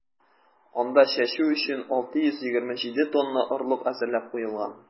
Анда чәчү өчен 627 тонна орлык әзерләп куелган.